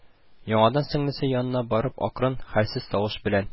Яңадан сеңлесе янына барып акрын, хәлсез тавыш белән: